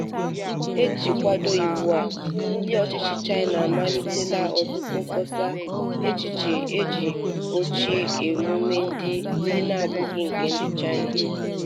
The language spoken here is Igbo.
Iji kwado iwu a, ndị ọchịchị China amalitela ọtụtụ mkpọsa echiche iji gbochie emume ndị n'abụghị nke ndị China.